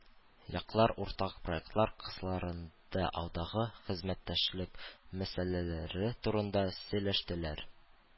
Яклар уртак проектлар кысаларында алдагы хезмәттәшлек мәсьәләләре турында сөйләштеләр.